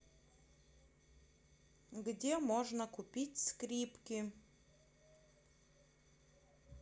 где можно купить скрипки